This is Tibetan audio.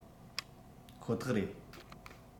ཁོ ཐག རེད